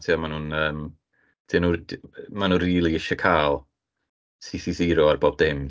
Tibod, maen nhw'n yym 'di d- maen nhw'n rili isio cael CC zero ar bob dim.